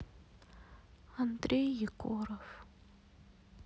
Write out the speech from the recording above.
андрей егоров